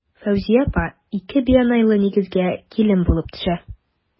Фәүзия апа ике бианайлы нигезгә килен булып төшә.